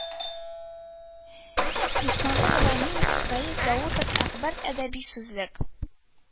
Исмәгыйль Рәмиев, Рәис Даутов «ӘХБАР» Әдәби сүзлек